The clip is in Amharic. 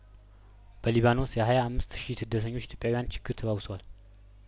በሊባኖስ የሀያአምስት ሺህ ስደተኞች ኢትዮጵያዊያን ችግር ተባብሷል